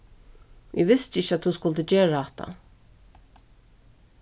eg visti ikki at tú skuldi gera hatta